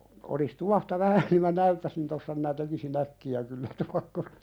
olisi tuohta vähän niin minä näyttäisin tuossa minä tekisin äkkiä kyllä tuokkosen